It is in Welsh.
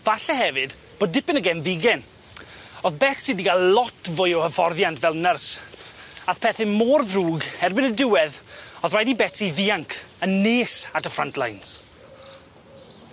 Falle hefyd bo' dipyn o genfigen. O'dd Betsi 'di ga'l lot fwy o hyfforddiant fel nyrs, a'th pethe mor ddrwg erbyn y diwedd o'dd raid i Betsi ddianc yn nes at y front lines.